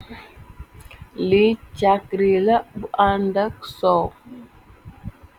Li cakri la bu ànda ak soow.